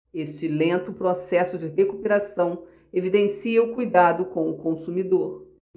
este lento processo de recuperação evidencia o cuidado com o consumidor